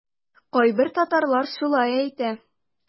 Кайбер татарлар шулай әйтә.